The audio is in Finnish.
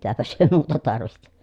mitäpäs he muuta tarvitsi